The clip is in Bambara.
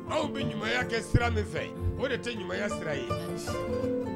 Anw bɛ ɲuman kɛ sira min fɛ o de tɛ ɲuman sira ye